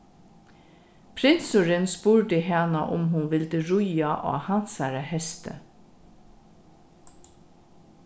prinsurin spurdi hana um hon vildi ríða á hansara hesti